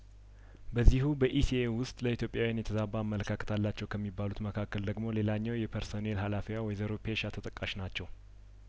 በዚሁ በኢሲኤ ውስጥ ለኢትዮጵያውያን የተዛባ አመለካከት አላቸው ከሚባሉት መካከል ደግሞ ሌላኛዋ የፐርሶኔል ሀላፊዋ ወይዘሮ ፔሻ ተጠቃሽ ናቸው